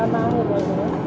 nữa